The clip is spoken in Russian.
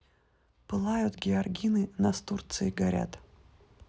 пылают георгины настурции горят